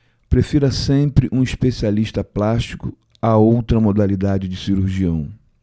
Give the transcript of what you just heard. prefira sempre um especialista plástico a outra modalidade de cirurgião